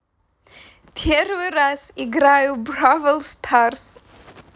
первый раз играю в бравл старс